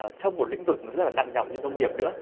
trong một lĩnh vực nặng nhọc như nông nghiệp nữa